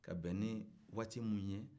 ka bɛn ni waati min ye